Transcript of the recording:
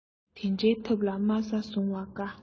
དེ འདྲའི ཐབས ལ དམའ ས བཟུང བ དགའ